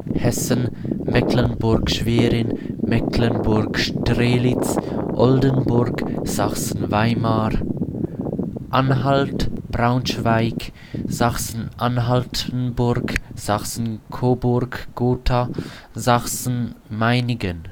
Hessen, Mecklenburg-Schwerin, Mecklenburg-Strelitz, Oldenburg, Sachsen-Weimar (Großherzogtümer) Anhalt, Braunschweig, Sachsen-Altenburg, Sachsen-Coburg-Gotha, Sachsen-Meinigen